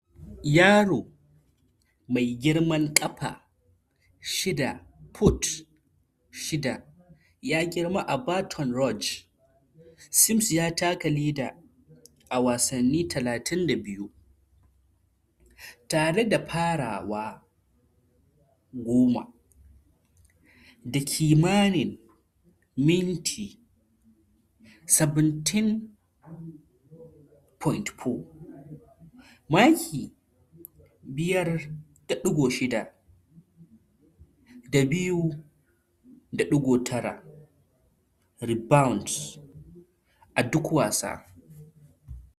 Yaro Mai girman ƙafa 6-foot-6 ya girma a Baton Rouge, Sims ya taka leda a wasanni 32 tare da farawa 10 da kimanin minti 17.4, maki 5.6 da 2.9 rebounds a duk wasa.